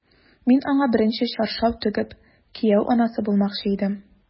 Мин аңа беренче чаршау тегеп, кияү анасы булмакчы идем...